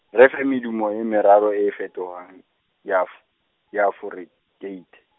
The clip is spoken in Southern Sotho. re fe medumo e meraro e fetohang, diaf-, diaforekeithe.